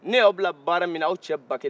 ne y'aw bila baara min na aw cɛ ba kelen